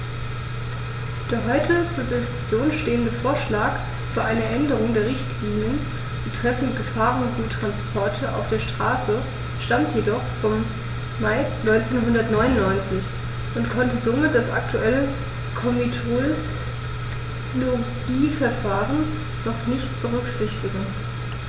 Der heute zur Diskussion stehende Vorschlag für eine Änderung der Richtlinie betreffend Gefahrguttransporte auf der Straße stammt jedoch vom Mai 1999 und konnte somit das aktuelle Komitologieverfahren noch nicht berücksichtigen.